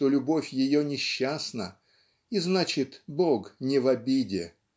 что любовь ее несчастна и значит Бог не в обиде